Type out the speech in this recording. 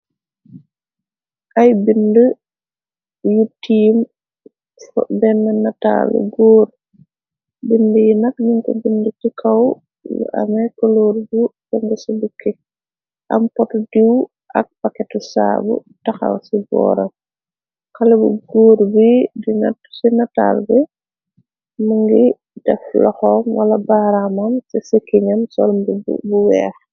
Ay bind yu tiim benne nataalu góur bind yi nak ninko bind ti kaw lu amee koloor bu kongu ci bukki am pot diw ak paketu saabu taxaw ci booram xale bu góur bi di nat ci na talbe mi ngi def loxom wala baaramam ci sikkinam solmbi bu weex.